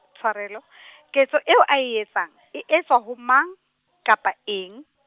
tshwarelo , ketso eo a e etsang, e etswa ho mang, kapa eng?